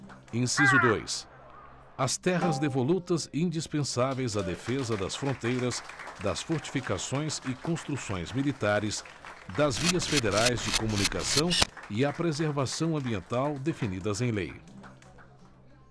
inciso dois as terras devolutas indispensáveis à defesa das fronteiras das fortificações e construções militares das vias federais de comunicação e à preservação ambiental definidas em lei